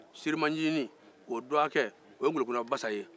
siriman ncinin dɔgɔke ye ŋolokunna basa ye